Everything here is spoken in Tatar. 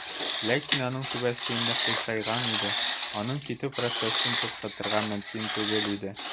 Ләкин аның түбәсе инде "кыйшайган" иде, аның китү процессын туктатырга мөмкин түгел иде.